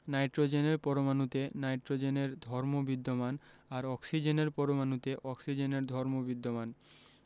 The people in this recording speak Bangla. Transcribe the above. নাইট্রোজেনের পরমাণুতে নাইট্রোজেনের ধর্ম বিদ্যমান আর অক্সিজেনের পরমাণুতে অক্সিজেনের ধর্ম বিদ্যমান